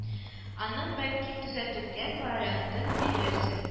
Аңа бәлки төзәтелгән вариантын бирерсең